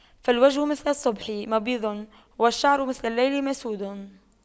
فالوجه مثل الصبح مبيض والشعر مثل الليل مسود